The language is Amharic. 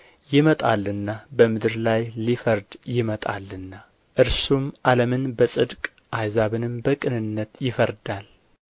ይመጣልና እርሱም ዓለምን በጽድቅ አሕዛብንም በቅንነት ይፈርዳል